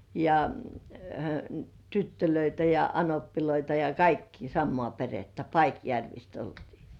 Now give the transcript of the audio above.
ja tyttöjä ja anoppeja ja kaikkia samaa perhettä Paikjärvestä oltiin